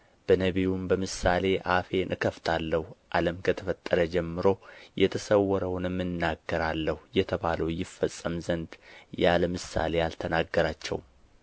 በነቢዩም በምሳሌ አፌን እከፍታለሁ ዓለም ከተፈጠረ ጀምሮ የተሰወረውንም እናገራለሁ የተባለው ይፈጸም ዘንድ ያለ ምሳሌ አልተናገራቸውም